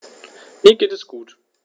Mir geht es gut.